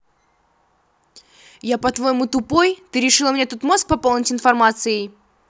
я по твоему тупой ты решила мне тут мозг пополнить информацией